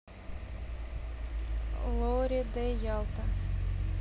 lory de ялта